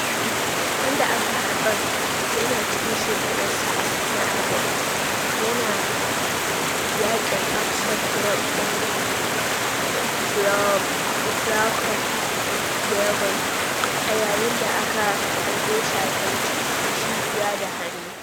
Wanda aka harban, yana cikin shekarunsa na 40, yana yankin Oxford Grove din llfracombe, Devon, a yayin da aka harbe shi a kirji, cibiya da hannu.